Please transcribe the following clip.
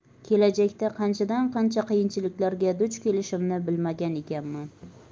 kelajakda qanchadan qancha qiyinchiliklarga duch kelishimni bilmagan ekanman